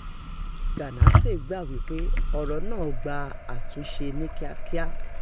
Ganase gbà wípé ọ̀ràn náà gba àtúnṣe ní kíákíá.